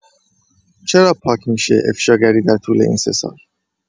چرا پاک می‌شه افشاگری در طول این سه سال؟